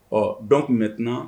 Ɔ dɔn tun bɛ tɛna